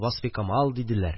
Васфикамал диделәр